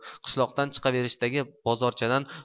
qishloqdan chiqaverishdagi bozorchadan